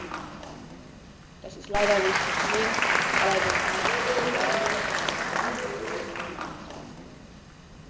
Das ist leider nicht geschehen, was allerdings nicht Herrn Bernie, sondern der alten Kommission anzulasten ist.